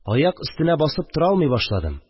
Аяк өстенә басып тора алмый башладым